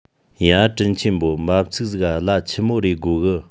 ཡ དྲིན ཆེན པོ འབབ ཚིགས ཟིག ག གླ ཆི མོ རེ དགོ གི